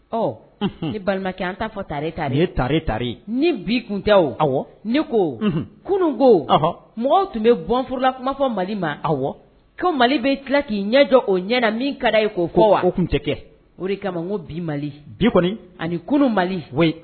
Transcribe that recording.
Ɔ ni balimakɛ an taa fɔ tare ta ye tare ta ni bi kun tɛ ne ko kunun koɔ mɔgɔw tun bɛ bɔnfla kuma fɔ mali ma aw ko mali bɛ tila k'i ɲɛjɔ o ɲɛ min ka ye koo fɔ wa o tun tɛ kɛ o de kama ma ko bi mali bi kɔni ani kunun mali we